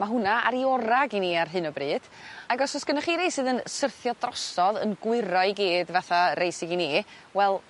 ma' hwnna ar 'i ora gin i ar hyn o bryd. Ag os o's gennoch chi rei sydd yn syrthio drosodd yn gwiro i gyd fatha rei sy gin i wel